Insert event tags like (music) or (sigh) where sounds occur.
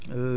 (hesitation) (hesitation)